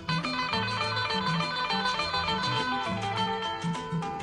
Maa